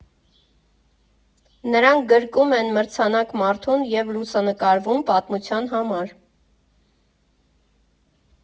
Նրանք գրկում են մրցանակ֊մարդուն և լուսանկարվում պատմության համար։